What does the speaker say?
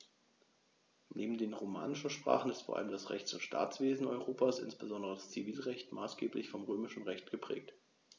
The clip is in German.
Neben den romanischen Sprachen ist vor allem das Rechts- und Staatswesen Europas, insbesondere das Zivilrecht, maßgeblich vom Römischen Recht geprägt.